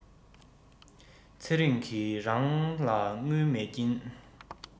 ཚེ རིང གི རང ལ དངུལ མེད རྐྱེན